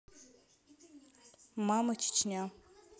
мама чечня